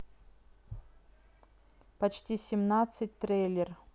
почти семнадцать трейлер